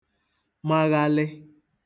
maghalị